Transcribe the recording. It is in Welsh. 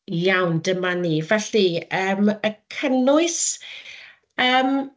Iawn, dyma ni. Felly, yym y cynnwys yym.